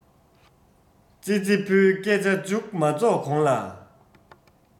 ཙི ཙི ཕོའི སྐད ཆ མཇུག མ རྫོགས གོང ལ